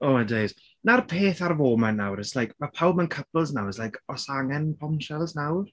Oh my days. 'Na'r peth ar y foment nawr it's like ma' pawb mewn couples nawr it's like oes angen bombshells nawr?